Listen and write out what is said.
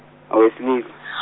owesilisa .